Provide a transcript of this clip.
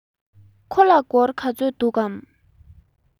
ཁོ ལ སྒོར ག ཚོད འདུག གམ